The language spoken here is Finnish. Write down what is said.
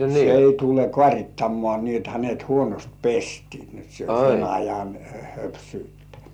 se ei tule kaarittamaan niin että hänet huonosti pestiin niin jotta se on sen ajan höpsyyttä